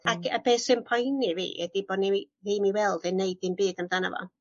Ag yy beth sy'n poeni fi ydi bo' ni wi- ddim i weld yn neud dim byd amdano fo.